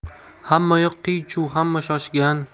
hammayoq qiy chuv hamma shoshgan